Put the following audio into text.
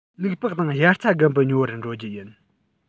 ལུག པགས དང དབྱར རྩྭ དགུན འབུ ཉོ བར འགྲོ རྒྱུ ཡིན